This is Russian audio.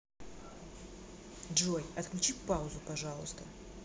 джой отключи паузу пожалуйста